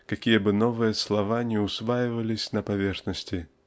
какие бы новые слова ни усваивались на поверхности.